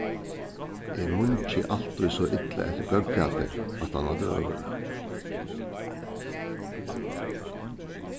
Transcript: eg mungi altíð so illa eftir góðgæti aftan á døgurða